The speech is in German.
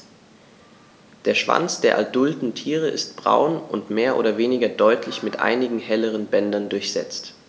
Der Schwanz der adulten Tiere ist braun und mehr oder weniger deutlich mit einigen helleren Bändern durchsetzt.